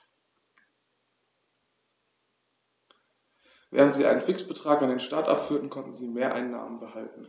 Während sie einen Fixbetrag an den Staat abführten, konnten sie Mehreinnahmen behalten.